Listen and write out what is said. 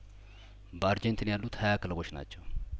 በአርጀንቲና ያሉት ሀያ ክለቦች ናቸው